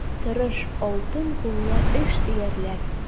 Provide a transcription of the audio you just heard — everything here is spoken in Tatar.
Тырыш, алтын куллы эшсөярләр.